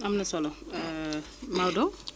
am na solo Maodo